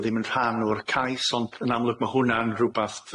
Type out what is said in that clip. o ddim yn rhan o'r cais ond yn amlwg ma' hwnna'n rwbath